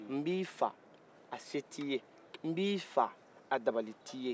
n b'i faa a se t'i ye n b'i faa a dabali t'i ye